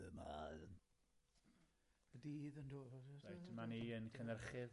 Dyma yym y dydd yn do-.. Reit, yma ni ein cynhyrchydd.